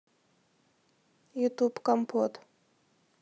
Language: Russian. ютуб компот